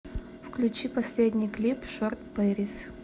включи последний клип шорт пэрис